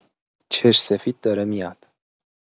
چش سفید داره میاد